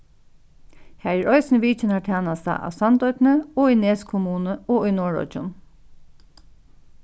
har er eisini vitjanartænasta á sandoynni og í nes kommunu og í norðoyggjum